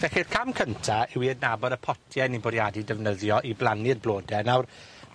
Felly'r cam cynta yw i adnabod y potie ni'n bwriadu defnyddio i blannu'r blode, nawr,